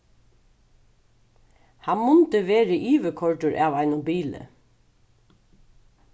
hann mundi verið yvirkoyrdur av einum bili